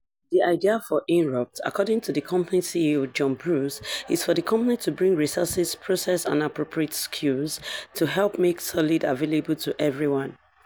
The idea for Inrupt, according to the company's CEO John Bruce, is for the company to bring resources, process and appropriate skills to help make Solid available to everyone.